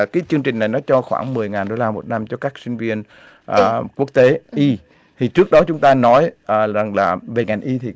cái chương trình này nó cho khoảng mười ngàn đô la một năm cho các sinh viên quốc tế y thì trước đó chúng ta nói rằng là về ngành y thì